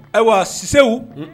Ayiwa sisɛw